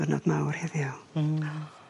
diwrnod mawr heddiw. Mm.